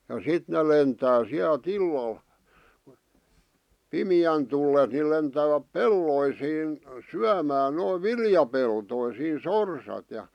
ja sitten ne lentää sieltä illalla pimeän tullen niin lentävät peltoihin syömään noin viljapeltoisiin sorsat ja